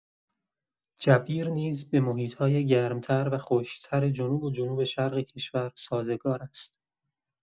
جبیر نیز به محیط‌های گرم‌تر و خشک‌تر جنوب و جنوب‌شرق کشور سازگار است.